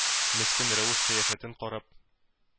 Мескен рәвеш-кыяфәтен карап,